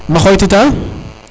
maxoy tita